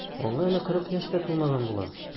Аңа әле кырык яшь тә тулмаган була.